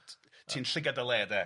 Ti'n llygad dy le de.